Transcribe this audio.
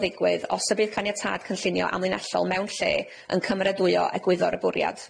ddigwydd os y bydd caniatâd cynllunio amlinellol mewn lle yn cymeradwyo egwyddor y bwriad.